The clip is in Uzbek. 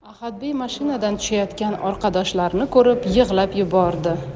ahadbey mashinadan tushayotgan orqadoshlarini ko'rib yig'lab yubordi